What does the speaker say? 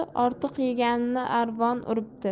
ortiq yeganni arvoh uribdi